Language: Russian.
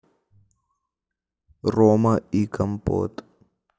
рома и компот